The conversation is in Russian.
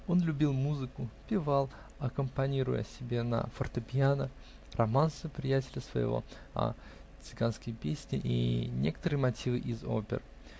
Он любил музыку, певал, аккомпанируя себе на фортепьяно, романсы приятеля своего А. , цыганские песни и некоторые мотивы из опер